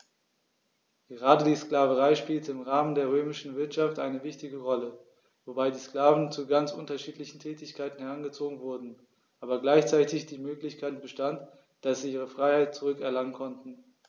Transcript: Gerade die Sklaverei spielte im Rahmen der römischen Wirtschaft eine wichtige Rolle, wobei die Sklaven zu ganz unterschiedlichen Tätigkeiten herangezogen wurden, aber gleichzeitig die Möglichkeit bestand, dass sie ihre Freiheit zurück erlangen konnten.